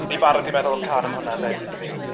Ni'n barod 'di meddwl am cân am hwnna 'fyd yn dy'n ni?